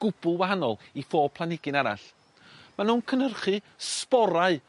gwbwl wahanol i phob planigyn arall. Ma' nw'n cynyrchu sborau